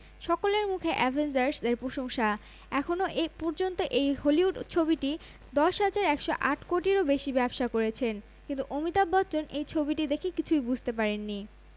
কালের কণ্ঠ এর অনলাইনে ডেস্ক হতে সংগৃহীত প্রকাশের সময় ১৪মে ২০১৮ বিকেল ৫টা ৩৯ মিনিট